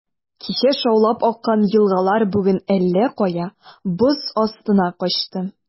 Кичә шаулап аккан елгалар бүген әллә кая, боз астына качты.